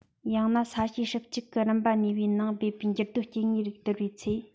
ཡང ན ས གཤིས སྲུབས གཅིག གི རིམ པ གཉིས པའི ནང སྦས པའི འགྱུར རྡོའི སྐྱེ དངོས རིགས བསྡུར བའི ཚེ